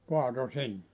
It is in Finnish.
kaatoi sinne